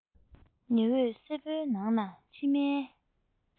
ཉི འོད སེར པོའི ནང ན མཆིལ མའི